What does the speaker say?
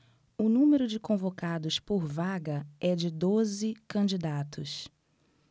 o número de convocados por vaga é de doze candidatos